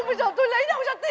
bây giờ tôi lấy đâu